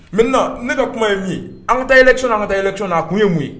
Mɛ na ne ka kuma ye ye an ka taa yɛlɛon na an ka taa yɛlɛcon na a tun ye mun ye